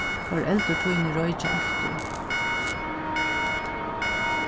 foreldur tíni roykja altíð